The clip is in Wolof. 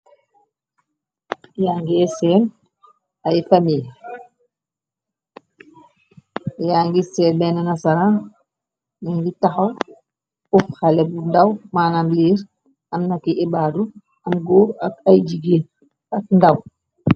Yangseen ay famil ya ngis seen benn na sara nngi taxaw ux. Xale bu ndaw maanam liir amnaki ébaatu am góor ak ay jigee ak ndaw.